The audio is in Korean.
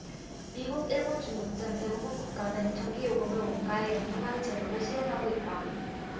미국 일본 중국 등 대부분 국가는 전기요금을 원가에 연동하는 제도를 시행하고 있다